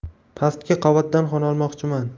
pastki qavatdan xona olmoqchiman